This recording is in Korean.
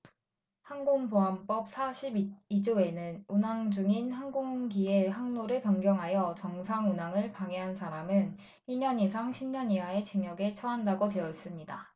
항공보안법 사십 이 조에는 운항중인 항공기의 항로를 변경하여 정상 운항을 방해한 사람은 일 년 이상 십 년 이하의 징역에 처한다고 되어 있습니다